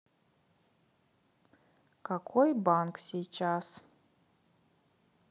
какой банк сейчас